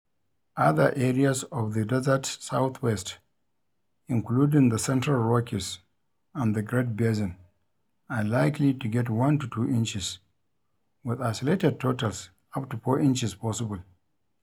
Other areas of the Desert Southwest including the central Rockies and the Great Basin are likely to get 1 to 2 inches, with isolated totals up to 4 inches possible.